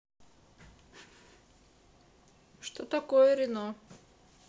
что такое рено